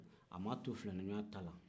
a ma to filaniɲɔgɔn ta la